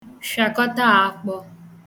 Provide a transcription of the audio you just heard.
fhị̀akọta akpọ̄